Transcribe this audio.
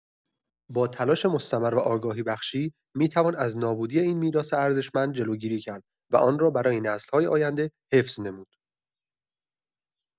با تلاش مستمر و آگاهی‌بخشی، می‌توان از نابودی این میراث ارزشمند جلوگیری کرد و آن را برای نسل‌های آینده حفظ نمود.